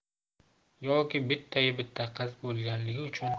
yoki bittayu bitta qiz bo'lganligi uchun